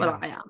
Well I am.